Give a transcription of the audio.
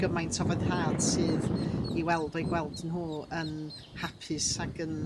gymaint o foddhad sydd i weld o'i gweld nhw yn hapus ag yn